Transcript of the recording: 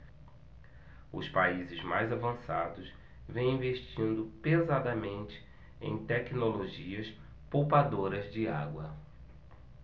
os países mais avançados vêm investindo pesadamente em tecnologias poupadoras de água